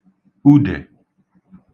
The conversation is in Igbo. udè